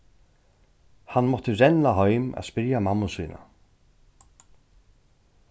hann mátti renna heim at spyrja mammu sína